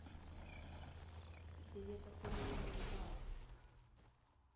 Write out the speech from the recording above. где то ты меня наебал